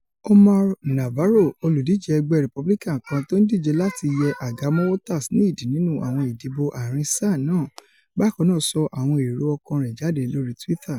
Omar Navarro, olùdíje ẹgbẹ́ Republican kan tó ńdíje láti yẹ àga mọ́ Waters ní ìdí nínú àwọn ìdìbò ààrin-sáà náà, bákannáà sọ àwọn èrò ọkàn rẹ̀ jáde lori Twitter.